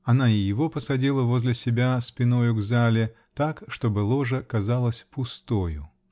Она и его посадила возле себя, спиною к зале, так, чтобы ложа казалась пустою.